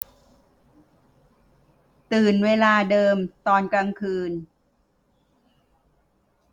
ตื่นเวลาเดิมตอนกลางคืน